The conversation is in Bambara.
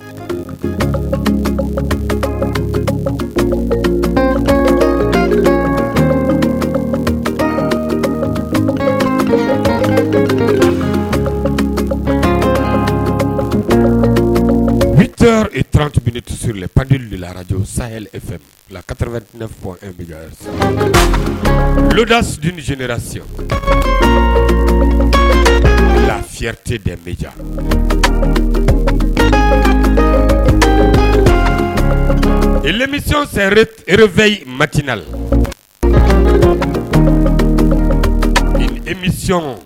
Ur pa laj sa kata ne bɛda susila sisan late den bɛja misi rep matina la emi